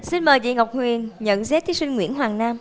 xin mời chị ngọc huyền nhận xét thí sinh nguyễn hoàng nam